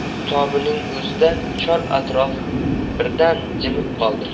shu tobning o'zida chor atrof birdan jimib qoldi